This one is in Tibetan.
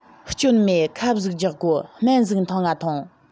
སྐྱོན མེད ཁབ ཟིག རྒྱག དགོ སྨན ཟིག ཐུངས ང ཐོངས